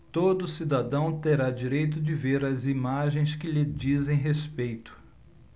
todo cidadão terá direito de ver as imagens que lhe dizem respeito